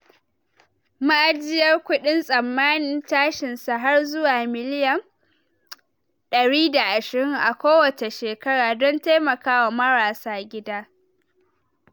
Ma’ajiyar kudin tsammanin tashin sa har zuwa miliyan £120 a kowace shekara - don taimaka wa marasa gida